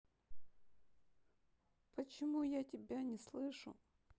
почему я тебя не слышу